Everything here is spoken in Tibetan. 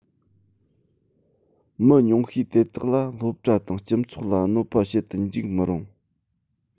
མི ཉུང ཤས དེ རིགས ལ སློབ གྲྭ དང སྤྱི ཚོགས ལ གནོད པ བྱེད དུ འཇུག མི རུང